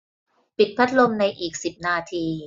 ปิดพัดลมในอีกสิบนาที